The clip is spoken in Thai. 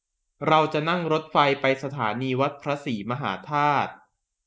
เราจะนั่งรถไฟไปสถานีวัดพระศรีมหาธาตุ